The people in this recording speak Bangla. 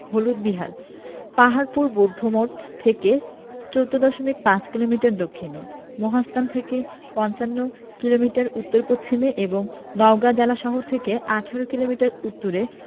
হলুদ বিহার পাহাড়পুর বৌদ্ধমঠ থেকে ১৪দশমিক ৫ কিলোমিটার দক্ষিণে মহাস্থান থেকে পঞ্চাশ কিলোমিটার উত্তর পশ্চিমে এবং নওগাঁ জেলাশহর থেকে ১৮ কিলোমিটার উত্তরে